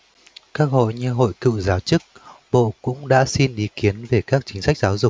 các hội như hội cựu giáo chức bộ cũng đã xin ý kiến về các chính sách giáo dục